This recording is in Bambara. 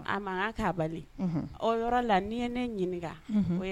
Yɔrɔ la ni ye ne ɲininka